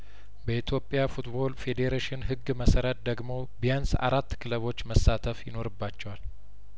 በኢትዮጵያ ፉትቦል ፌዴሬሽን ህግ መሰረት ደግሞ ቢያንስ አራት ክለቦች መሳተፍ ይኖርባቸዋል